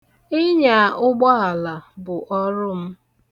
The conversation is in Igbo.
Ịnya ụgbọala bụ ọrụ m.